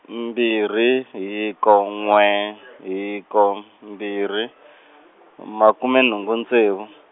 mbirhi hiko n'we, hiko, mbirhi, makume nhungu ntsevu.